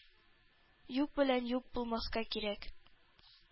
”юк белән юк булмаска кирәк.